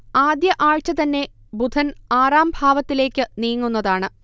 ആദ്യ ആഴ്ച തന്നെ ബുധൻ ആറാം ഭാവത്തിലേക്ക് നീങ്ങുന്നതാണ്